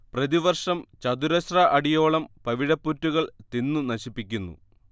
പ്രതിവർഷം ചതുരശ്ര അടിയോളം പവിഴപ്പുറ്റുകൾ തിന്നു നശിപ്പിക്കുന്നു